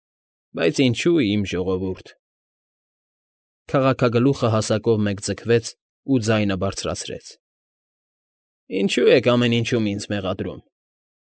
Բայց ինչո՞ւ, իմ ժողովուրդ,֊ քաղաքագլուխը հասակով մեկ ձգվեց ու ձայնը բարձրացրեց,֊ ինչո՞ւ եք ամեն ինչում ինձ մեղադրում։